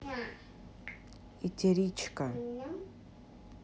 итеричка